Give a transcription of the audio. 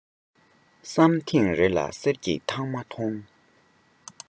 བསམ ཐེངས རེ ལ གསེར གྱི ཐང མ མཐོང